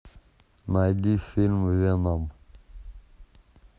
найди вильм веном